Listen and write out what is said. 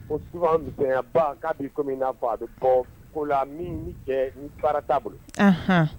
O tumayaba k'a'i komi min'a fɔ a bɛ fɔ ko la min cɛ baara t'a bolo